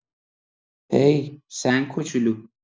هی، سنگ کوچولو!